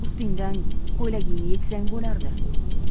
ustingdan ko'ylagingni yechsang bo'lardi